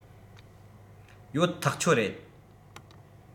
ཡོད ཐག ཆོད རེད